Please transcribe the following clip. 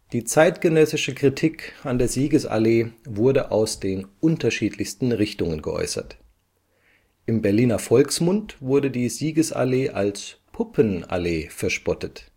Die zeitgenössische Kritik an der Siegesallee wurde aus den unterschiedlichsten Richtungen geäußert. Im Berliner Volksmund wurde die Siegesallee als „ Puppenallee “verspottet